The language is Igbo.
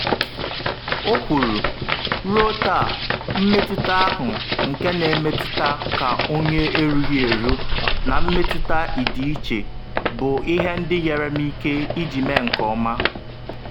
O kwuru: “Ruo taa, mmetụta ahụ nke na emetụta ka onye erughị eru, na mmetụta ịdị iche, bụ ihe ndị nyere m ike iji mee nke ọma.”